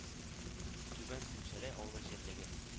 Түбән Сөнчәләй авыл җирлеге